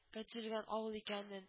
Этөзелгән авыл икәнен